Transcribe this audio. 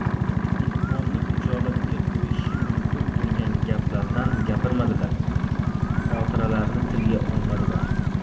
mehmonni xijolatga qo'yishi mumkin bo'lgan gaplardan gapirmadilar xotiralarni tilga olmadilar